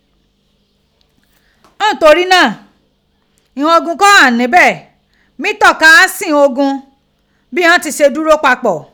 Ntorí náà, ighàn Ogun kó ghà níbẹ̀ mi tọ́ka sí ighan Ogun, bí ghan tì ṣe dúró pa pọ̀.